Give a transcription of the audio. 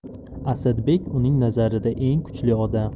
asadbek uning nazarida eng kuchli odam